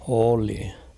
oli